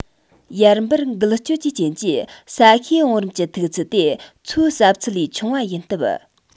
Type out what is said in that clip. ཡར འབུར འགུལ སྐྱོད ཀྱི རྐྱེན གྱིས ས གཤིས བང རིམ གྱི མཐུག ཚད དེ མཚོའི ཟབ ཚད ལས ཆུང བ ཡིན སྟབས